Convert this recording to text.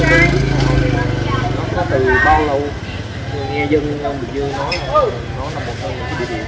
không biết món bún xào này có từ bao lâu nhưng nghe dân bình dương nói nó là một trong